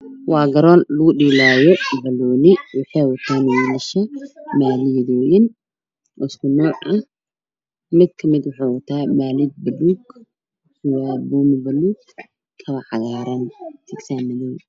Waa garoon lagu dheelaayo banooni waxay wataan maaliyadooyin isku nooc ah mid kamid ah wuxu wataa maaliyad baluug buumo baluug kabo cagaaran iyo sikisaan madow